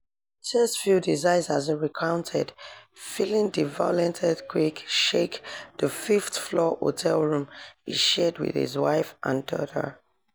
Tears filled his eyes as he recounted feeling the violent earthquake shake the fifth-floor hotel room he shared with his wife and daughter.